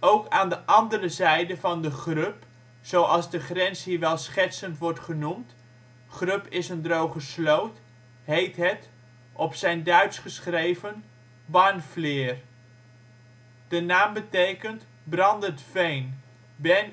Ook aan de andere zijde van de grup (zoals de grens hier wel schertsend wordt genoemd — grup is een droge sloot) heet het, op zijn Duits geschreven, Barnfleer. De naam betekent brandend veen (bern